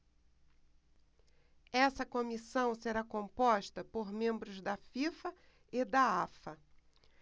essa comissão será composta por membros da fifa e da afa